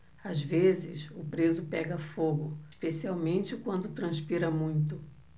às vezes o preso pega fogo especialmente quando transpira muito